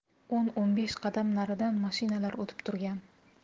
o'n o'n besh qadam naridan mashinalar o'tib turgan